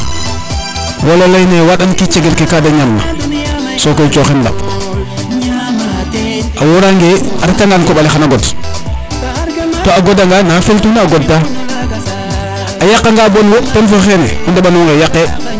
wala o leyne wandan ki cegel ke ka de ñaam na sokoy coxin laɓ a worange a reta ngan koɓale xanta god to a goda nga na feltuna a god ta a yaqa nga bon wo te fo xene o deɓangoxe yaqe